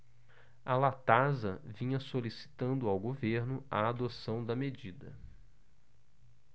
a latasa vinha solicitando ao governo a adoção da medida